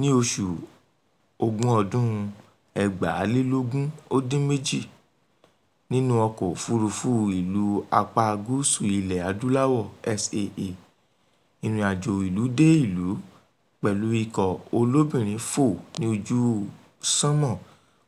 Ní oṣù Ògún ọdún 2018, nínú ọkọ̀ òfuurufú ìlú apá Gúúsù Ilẹ̀-Adúláwọ̀ SAA, ìrìnàjò ìlú dé ìlú pẹ̀lú ikọ̀ olóbìnrin fò ní ojú sánmà